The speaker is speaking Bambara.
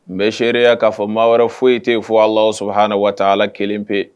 N bɛ seereya k'a fɔ maa wɛrɛ foyi e te fɔ a sɔrɔ h na waa ala kelen pe